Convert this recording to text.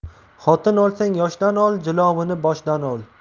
xotin olsang yoshdan ol jilovini boshdan ol